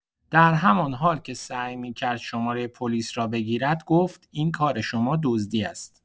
در همان حال که سعی می‌کرد شماره پلیس را بگیرد، گفت: «این کار شما دزدی است.»